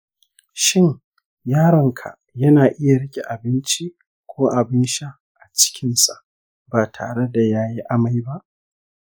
shin yaronka yana iya riƙe abinci ko abin sha a cikinsa ba tare da ya yi amai ba?